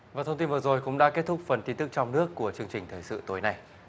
à thông tin vào rồi cũng đã kết thúc phần thi thực trong nước của chương trình thời sự tối nay